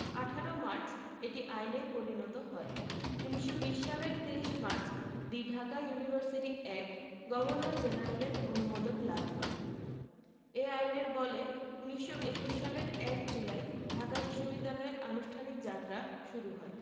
১৮ March এটি আইনে পরিণত হয় ১৯২০ সালের ২৩ March the Dhaka university act governor জেনারেলের অনুমোদন লাভ করে এ আইনের বলে ১৯২১ সালের ১ জুলাই ঢাকা বিশ্ববিদ্যালয়ের আনুষ্ঠানিক যাত্রা শুরু হয়